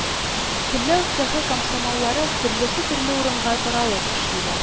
Көлләү цехы комсомоллары төрлесе төрле урынга таралып эшлиләр